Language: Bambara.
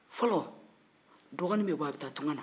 fɔlɔ dɔgɔni be bɔ a bɛ taa tugan na